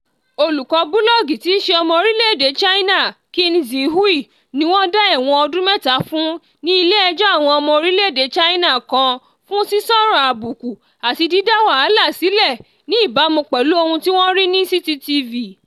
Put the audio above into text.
Olùkọ búlọ́ọ́gì tí í ṣe ọmọ Orílẹ̀-èdè China Qin Zhihui ni wọ́n dá ẹ̀wọ̀n ọdún mẹ́ta fún ní ilé ẹjọ́ àwọn ọmọ Orílẹ̀-èdè China kan fún "sísọ̀rọ̀ àbùkù" àti "dídá wàhálà sílẹ̀," ní ìbámu pẹ̀lú ohun tí wọ́n rí ní CCTV.